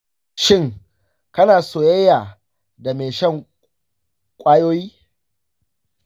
shin kana soyayya da mai shan ƙwayoyi?